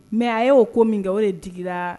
Mɛ a y'o ko min kɛ o de dra